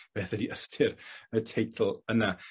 beth ydi ystyr y teitl yna.